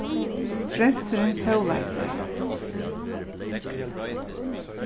frensurin sólaði sær